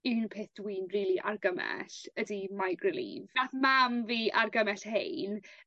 un peth dwi'n rili argymell ydi Migroleave. Nath mam fi argymell 'hein.